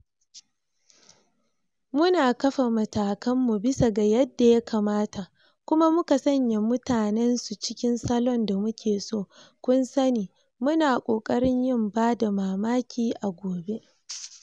Mun kafa matakanmu bisa ga yadda ya kamata kuma muka sanya mutanen su cikin salon da muke so, kun sani, mu na ƙoƙarin yin bada mamaki a gobe. "